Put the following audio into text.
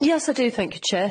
Yes I do, thank you Chair.